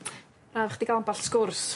Braf chdi ga'l amball sgwrs.